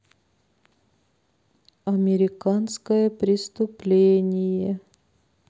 американское преступление